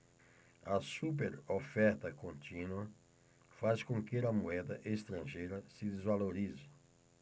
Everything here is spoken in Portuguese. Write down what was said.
a superoferta contínua faz com que a moeda estrangeira se desvalorize